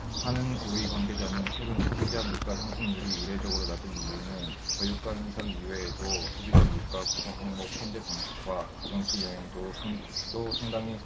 한은 고위 관계자는 최근 소비자물가상승률이 이례적으로 낮은 이유는 저유가 현상 이외에도 소비자물가 구성항목 편제방식과 가중치 영향도 상당한 것으로 보인다고 말했다